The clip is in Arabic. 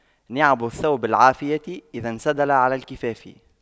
نعم الثوب العافية إذا انسدل على الكفاف